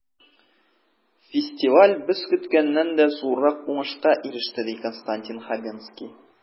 Фестиваль без көткәннән дә зуррак уңышка иреште, ди Константин Хабенский.